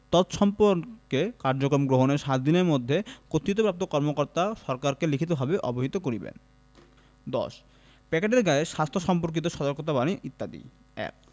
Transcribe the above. তৎসম্পর্কে কার্যক্রম গ্রহণের ৭ দিনের মধ্যে কর্তৃত্বপ্রাপ্ত কর্মকর্তা সরকারকে লিখিতভাবে অবহিত করিবেন ১০ প্যাকেটের গায়ে স্বাস্থ্য সম্পর্কিত সতর্কবাণী ইত্যাদিঃ ১